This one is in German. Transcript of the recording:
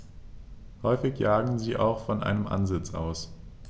Häufig jagen sie auch von einem Ansitz aus.